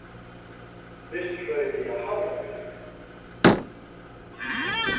vistfrøðiliga havramjólk